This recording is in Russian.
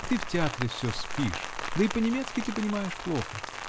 Ты в театре все спишь -- да и по-немецки ты понимаешь плохо.